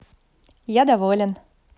я доволен